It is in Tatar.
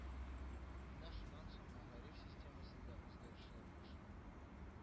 Менә шуннан соң мәгариф системасында үзгәрешләр башлана